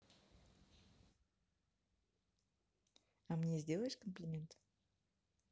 а мне сделаешь комплимент